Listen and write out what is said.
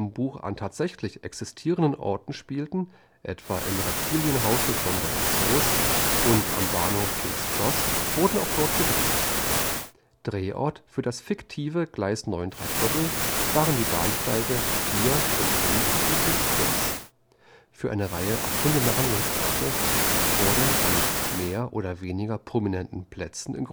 Buch an tatsächlich existierenden Orten spielen – etwa im Reptilienhaus des Londoner Zoos und am Bahnhof King’ s Cross –, wurden auch dort gedreht. Drehort für das fiktive Gleis 9 ¾ waren die Bahnsteige 4 und 5 am King’ s Cross. [Anm. 2] Für eine Reihe erfundener Handlungsorte wurde an mehr oder weniger prominenten Plätzen in